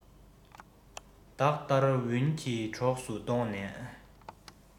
བདག ཏར ཝུན གྱི གྲོགས སུ བསྡོངས ནས